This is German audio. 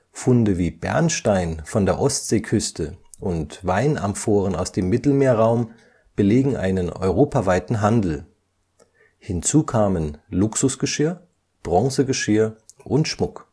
Funde wie Bernstein von der Ostseeküste und Weinamphoren aus dem Mittelmeerraum belegen einen europaweiten Handel. Hinzu kommen Luxusgeschirr (Campana), Bronzegeschirr und Schmuck